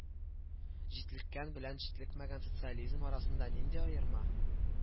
Җитлеккән белән җитлекмәгән социализм арасында нинди аерма